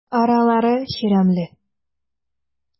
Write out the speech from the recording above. Аралары чирәмле.